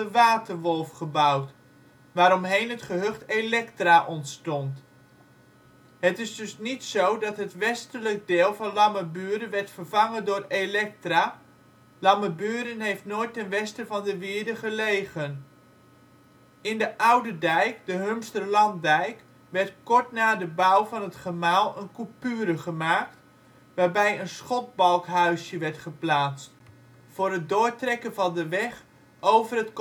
Waterwolf gebouwd, waaromheen het gehucht Electra ontstond. Het is dus niet zo dat het westelijk deel van Lammerburen werd vervangen door Electra; Lammerburen heeft nooit ten westen van de wierde gelegen. In de oude dijk (Humsterlanddijk) werd kort na de bouw van het gemaal een coupure gemaakt (waarbij een schotbalkhuisje werd geplaatst) voor het doortrekken van de weg over